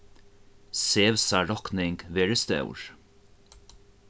sev'sa rokning verður stór